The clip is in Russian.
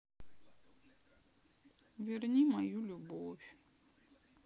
верни мою любовь